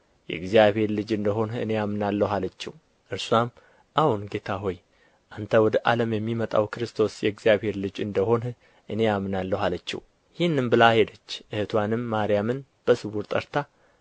የእግዚአብሔር ልጅ እንደ ሆንህ እኔ አምናለሁ አለችው ይህንም ብላ ሄደች እኅትዋንም ማርያምን በስውር ጠርታ